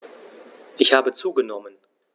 Ich habe zugenommen.